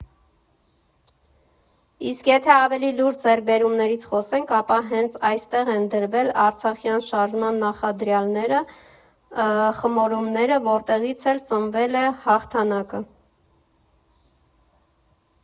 Իսկ եթե ավելի լուրջ ձեռքբերումներից խոսենք, ապա հենց այստեղ են դրվել արցախյան շարժման նախադրյալները, խմորումները, որտեղից էլ ծնվել է հաղթանակը։